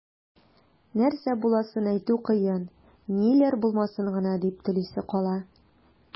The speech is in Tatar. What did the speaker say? Нәрсә буласын әйтү кыен, ниләр булмасын гына дип телисе кала.